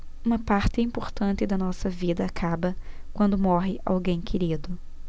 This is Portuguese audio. uma parte importante da nossa vida acaba quando morre alguém querido